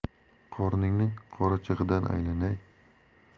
qorningni qorachig'idan aylanay